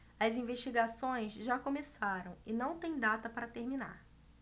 as investigações já começaram e não têm data para terminar